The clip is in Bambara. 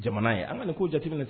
Jamana ye an ka k ko jate minɛ